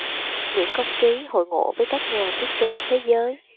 nguyễn công trí hội ngộ với các nhà thiết kế thế giới